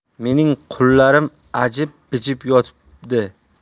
mening qullarim ajib bijib yotibdi